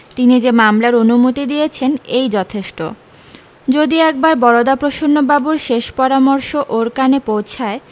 তিনি যে মামলার অনুমতি দিয়েছেন এই যথেষ্ট যদি একবার বরদাপ্রসন্নবাবুর শেষ পরামর্শ ওঁর কানে পৌঁছায়